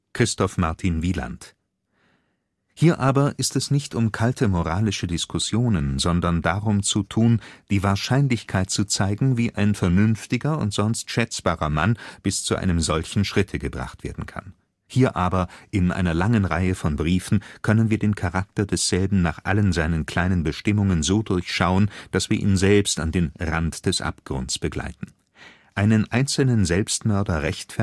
Christoph Martin Wieland: […] Hier aber ist es nicht um kalte moralische Diskussionen, sondern darum zu tun, die Wahrscheinlichkeit zu zeigen, wie ein vernünftiger und sonst schätzbarer Mann bis zu einem solchen Schritte gebracht werden kann. […] Hier aber in einer langen Reihe von Briefen können wir den Charakter desselben nach allen seinen kleinen Bestimmungen so durchschauen, dass wir ihn selbst an den Rand des Abgrunds begleiten. […] Einen einzelnen Selbstmörder rechtfertigen